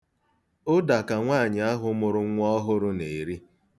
Ụda ka nwaanyị ahụ mụrụ nwa ọhụrụ na-eri.